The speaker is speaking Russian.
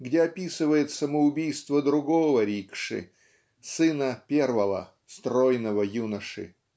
где описывает самоубийство другого рикши сына первого стройного юноши.